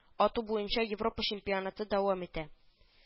Ату буенча европа чемпионаты дәвам итә